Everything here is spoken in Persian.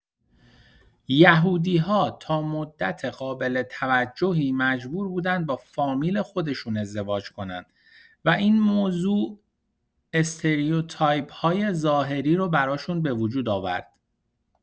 یهودی‌ها تا مدت قابل توجهی مجبور بودن با فامیل خودشون ازدواج کنن و این موضوع استریوتایپ‌های ظاهری رو براشون به وجود آورد.